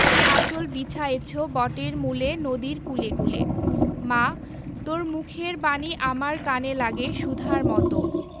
কী আঁচল বিছায়েছ বটের মূলে নদীর কূলে কূলে মা তোর মুখের বাণী আমার কানে লাগে সুধার মতো